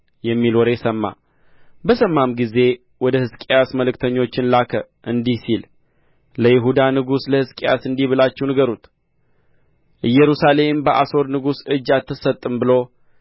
የሚል ወሬ ሰማ በሰማም ጊዜ ወደ ሕዝቅያስ መልእክተኞችን ላከ እንዲህ ሲል ለይሁዳ ንጉሠ ለሕዝቅያስ እንዲህ ብላችሁ ንገሩት ኢየሩሳሌም በአሦር ንጉሥ እጅ አትሰጥም ብሎ